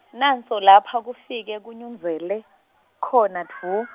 nanso lapha kufike, kunyundzele, khona dvu.